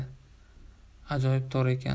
ajoyib tor ekan